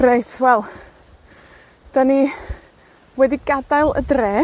Reit, wel 'dyn ni wedi gadael y dre.